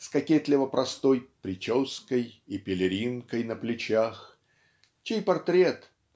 с кокетливо-простой "прической и пелеринкой на плечах" чей портрет